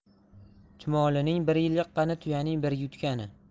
chumolining bir yil yiqqani tuyaning bir yutgani